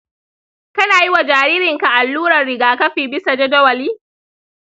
kana yi wa jaririnka allurar rigakafi bisa jadawali?